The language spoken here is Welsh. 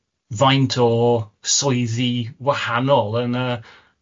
Faint o swyddi wahanol yn y yy